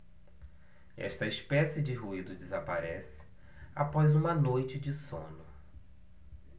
esta espécie de ruído desaparece após uma noite de sono